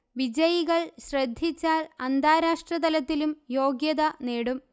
വിജയികൾ ശ്രദ്ധിച്ചാൽ അന്താരാഷ്ട്ര തലത്തിലും യോഗ്യത നേടും